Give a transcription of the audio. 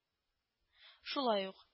Шулай ук